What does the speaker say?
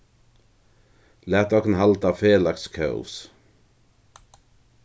lat okkum halda felags kós